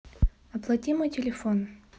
оплати мой телефон